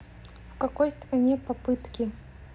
в какой стране попытки